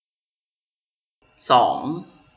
สอง